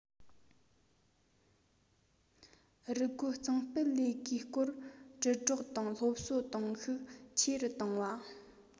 རུལ རྒོལ གཙང སྤེལ ལས ཀའི སྐོར དྲིལ བསྒྲགས དང སློབ གསོ གཏོང ཤུགས ཆེ རུ བཏང བ